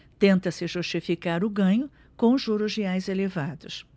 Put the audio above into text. tenta-se justificar o ganho com os juros reais elevados